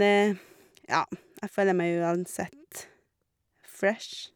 Ja, jeg føler meg uansett fresh.